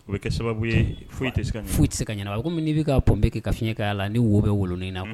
O kɛ sababu ye foyi foyi tɛ se ka ɲɛnaba kɔmi n'i bɛ ka pm bɛ kɛ ka fiɲɛɲɛ'a la ni wo bɛ woloin na